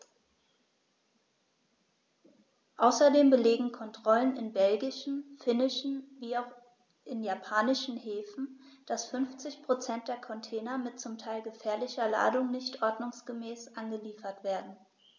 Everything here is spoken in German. Außerdem belegen Kontrollen in belgischen, finnischen wie auch in japanischen Häfen, dass 50 % der Container mit zum Teil gefährlicher Ladung nicht ordnungsgemäß angeliefert werden.